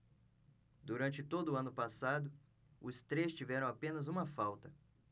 durante todo o ano passado os três tiveram apenas uma falta